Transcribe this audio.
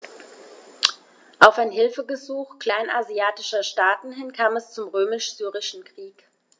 Auf ein Hilfegesuch kleinasiatischer Staaten hin kam es zum Römisch-Syrischen Krieg.